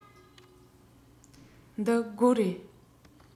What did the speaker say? འདི སྒོ རེད